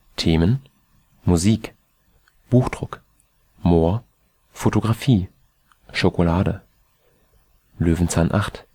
Themen: Musik, Buchdruck, Moor, Fotografie, Schokolade) Löwenzahn 8